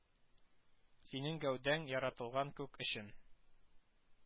Синең гәүдәң яратылган күк өчен